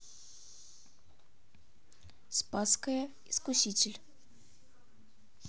спасская искуситель